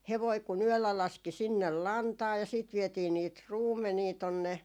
hevonen kun yöllä laski sinne lantaa ja sitten vietiin niitä ruumenia tuonne